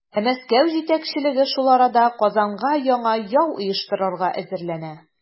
Ә Мәскәү җитәкчелеге шул арада Казанга яңа яу оештырырга әзерләнә.